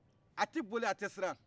a tɛ boli a tɛ siran